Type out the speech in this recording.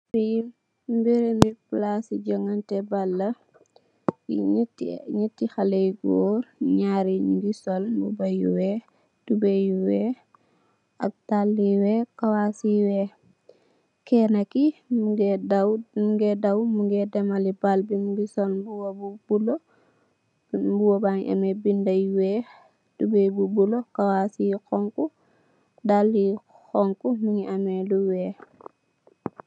Lii mbiram palasi jongenteh bal la ñati xaleh yu gorr ñarr yi ñungi sol mbuba yu wekh toboy yu wekh ak dall yu wekh cawas yu wekh kenaki mungi daw mungi demali balbi mungi sol mbuba bu bulo mbuba bangi ameh binda yu wekh tuboy bu bulo kawas yu xonxu dallyu xonxu mungi ameh lu wekh.